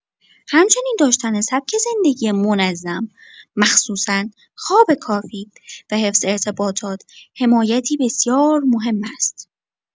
همچنین داشتن سبک زندگی منظم مخصوصا خواب کافی و حفظ ارتباطات حمایتی بسیار مهم است.